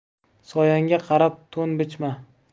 soyangga qarab to'n bichma